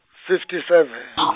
fifty seve-.